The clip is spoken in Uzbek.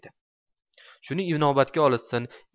shuni inobatga olishsin